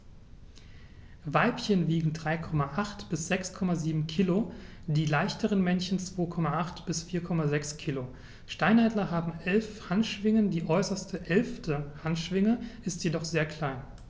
Weibchen wiegen 3,8 bis 6,7 kg, die leichteren Männchen 2,8 bis 4,6 kg. Steinadler haben 11 Handschwingen, die äußerste (11.) Handschwinge ist jedoch sehr klein.